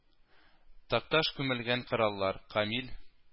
Такташ Күмелгән кораллар , Камил